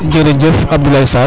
jerejef Abdoulaye Sarr